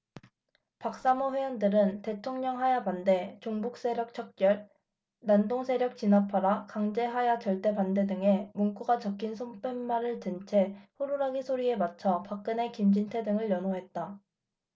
박사모 회원들은 대통령하야 반대 종북세력 척결 난동세력 진압하라 강제하야 절대반대 등의 문구가 적힌 손팻말을 든 채 호루라기 소리에 맞춰 박근혜 김진태 등을 연호했다